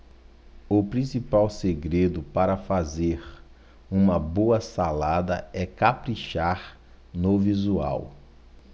o principal segredo para fazer uma boa salada é caprichar no visual